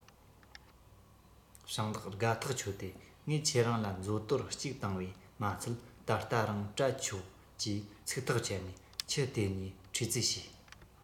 ཞིང བདག དགའ ཐག ཆོད དེ ངས ཁྱེད རང ལ མཛོ དོར གཅིག བཏང བས མ ཚད ད ལྟ རང སྤྲད ཆོག ཅེས ཚིག ཐག བཅད ནས ཁྱི དེ གཉིས ཁྲིས ཙིས བྱས